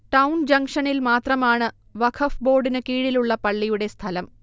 town ജങ്ഷനിൽമാത്രമാണ് വഖഫ് ബോർഡിന് കീഴിലുള്ള പള്ളിയുടെ സ്ഥലം